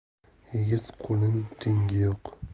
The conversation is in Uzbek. yigit qo'lin tengi yo'q